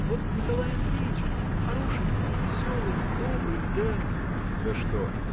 Вот Николай Андреич — хорошенький, веселый и добрый, да. — Да что?